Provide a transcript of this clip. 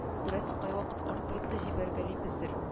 Күрәсең кайвакыт арттырып та җибәргәлибездер